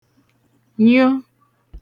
nyụ